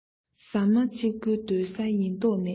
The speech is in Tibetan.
ཟ མ གཅིག པོའི སྡོད ས ཡིན མདོག མེད